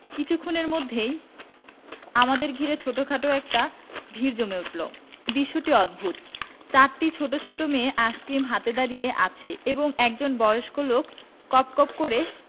কিছুক্ষণের মধ্যেই আমাদের ঘিরে ছোটখাট একটা ভিড় জমে উঠল দৃশ্যটি অদ্ভুত চরিটি ছোট ছোট মেয়ে আইসক্রিম হাতে দাড়িয়ে আছে এবং একজন বয়স্ক লোক কপ কপ করে